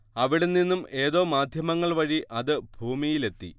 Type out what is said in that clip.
അവിടെ നിന്നും ഏതോ മാധ്യമങ്ങൾ വഴി അത് ഭൂമിയിലെത്തി